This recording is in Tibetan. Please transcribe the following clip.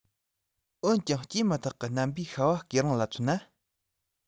འོན ཀྱང སྐྱེས མ ཐག གི རྣམ པའི ཤྭ བ སྐེ རིང ལ མཚོན ན